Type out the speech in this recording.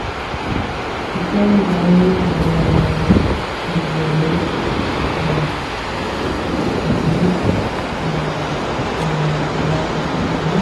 Og så jeg var frivillig s isf i fjor i i Olavsfestdagene.